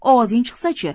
ovozing chiqsa chi